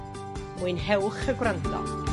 Mwynhewch y gwrando.